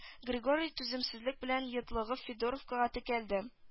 Григорий түземсезлек белән йотлыгып федоровка текәлде